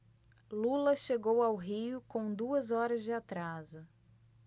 lula chegou ao rio com duas horas de atraso